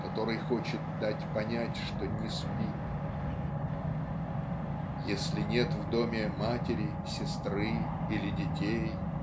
который хочет дать понять что не спит". "Если нет в доме матери сестры или детей